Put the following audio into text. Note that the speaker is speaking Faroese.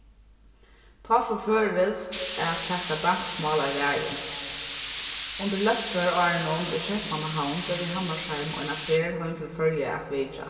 tá fór føroyskt at taka danskt mál av ræði undir lestrarárunum í keypmannahavn gjørdi hammershaimb eina ferð heim til føroya at vitja